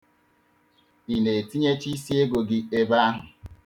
Ị na-etinyecha isiego gị ebe ahụ?